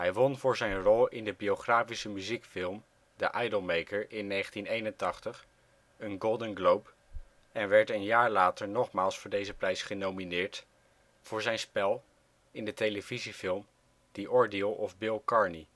won voor zijn rol in de biografische muziekfilm The Idolmaker in 1981 een Golden Globe en werd een jaar later nogmaals voor deze prijs genomineerd voor zijn spel in de televisiefilm The Ordeal of Bill Carney